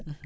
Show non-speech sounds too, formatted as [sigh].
[hesitation] [hesitation]